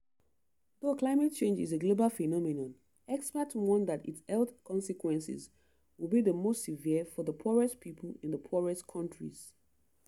Though climate change is a global phenomenon, experts warn that its health consequences will be the most severe for the poorest people in the poorest countries.